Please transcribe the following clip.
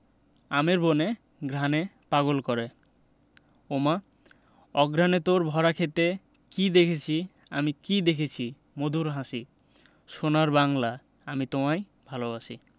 আমের বনে ঘ্রাণে পাগল করে ওমা অঘ্রানে তোর ভরা ক্ষেতে কী দেখসি আমি কী দেখেছি মধুর হাসি সোনার বাংলা আমি তোমায় ভালোবাসি